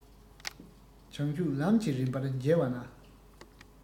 བྱང ཆུབ ལམ གྱི རིམ པར མཇལ བ ན